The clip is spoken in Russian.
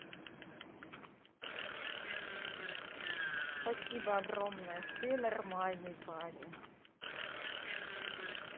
спасибо огромное ты нормальный парень